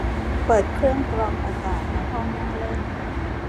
เปิดเครื่องกรองอากาศในห้องนั่งเล่น